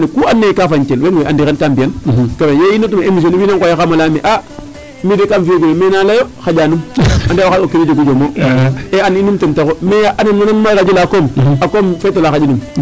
Ku andoona yee kaa fañtel wiin we andiran ta mbi'an te ye i ndet na emission wiin we nqoyaxam a layaxam mi' de kam fi'oogu nene mais na layo xaƴanum ande o xaaga o kiin o jegu jom o ta and i num ten taxu mais ya nangilwuma radio laa koom o feet ola xaƴanum.